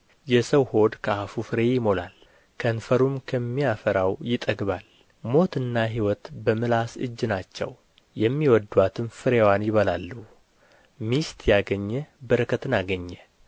የሰው ሆድ ከአፉ ፍሬ ይሞላል ከንፈሩም ከሚያፈራው ይጠግባል ሞትና ሕይወት በምላስ እጅ ናቸው የሚወድዱአትም ፍሬዋን ይበላሉ ሚስት ያገኘ በረከትን አገኘ